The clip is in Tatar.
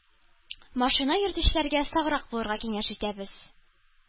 Машина йөртүчеләргә саграк булырга киңәш итәбез,